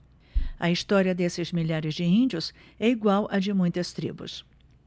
a história desses milhares de índios é igual à de muitas tribos